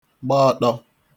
gba ọ̀ṭọ